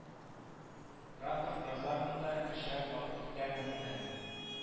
Рапорт язармын да көчләп алып китәрмен менә